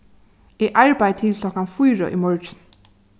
eg arbeiði til klokkan fýra í morgin